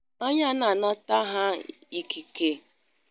“Anyị anaghị anata ha ikike.”